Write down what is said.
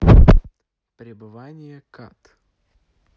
пребывание cut